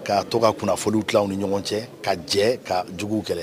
Ka to kafolow tila ni ɲɔgɔn cɛ ka jɛ ka juguw kɛlɛ